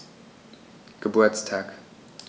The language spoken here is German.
Geburtstag